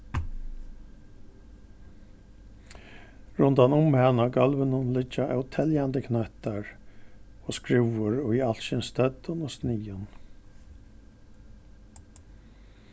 rundanum hana á gólvinum liggja óteljandi knøttar og skrúvur í alskyns støddum og sniðum